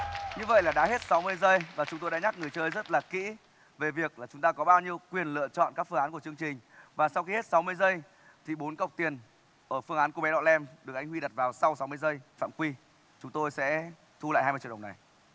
như vậy là đã hết sáu mươi giây và chúng tôi đã nhắc người chơi rất là kỹ về việc là chúng ta có bao nhiêu quyền lựa chọn các phương án của chương trình và sau khi hết sáu mươi giây thì bốn cọc tiền ở phương án cô bé lọ lem được anh huy đặt vào sau sáu mươi giây phạm quy chúng tôi sẽ thu lại hai mươi triệu đồng này